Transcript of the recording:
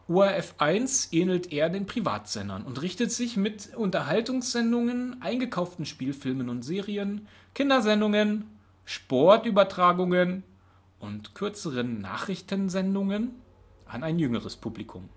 ORF 1 ähnelt eher den Privatsendern und richtet sich mit Unterhaltungssendungen, eingekauften Spielfilmen und Serien, Kindersendungen, Sportübertragungen und kürzeren Nachrichtensendungen an ein jüngeres Publikum